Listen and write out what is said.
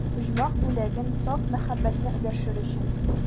Оҗмах бүләген, саф мәхәббәтне өләшер өчен.